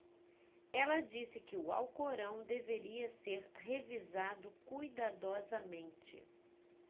ela disse que o alcorão deveria ser revisado cuidadosamente